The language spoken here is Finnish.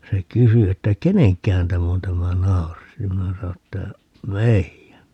se kysyi että kenenkähän tämä on tämä nauris ja minä sanoin että meidän